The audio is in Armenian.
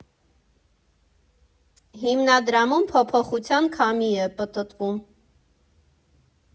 Հիմնադրամում փոփոխության քամի է պտտվում։